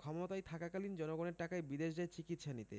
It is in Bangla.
ক্ষমতায় থাকাকালীন জনগণের টাকায় বিদেশে যায় চিকিৎসা নিতে